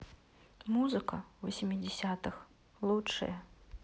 музыка восьмидесятых лучшее